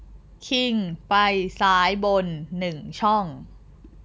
คิงไปซ้ายบนหนึ่งช่อง